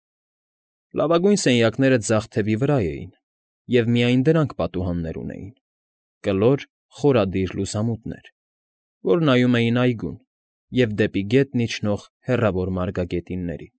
Լավագույն սենյակները ձախ թևի վրա էին և միայն դրանք պատուհաններ ունեին՝ կլոր խորադիր լուսամուտներ, որ նայում էին այգուն և դեպի գետն իջնող հեռավոր մարգագետիններին։